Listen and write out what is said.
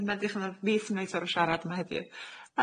Yy ma'n edych ma fi sy'n neud sor o siarad yma heddiw.